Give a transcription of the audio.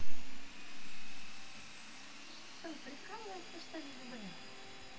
что прикалывается что ли любэ